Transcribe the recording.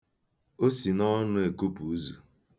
O si n'ọnụ ekupu uzu.